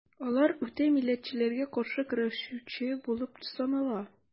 Алар үтә милләтчеләргә каршы көрәшүче булып санала.